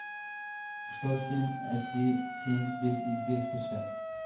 Что син әти син бит изге кеше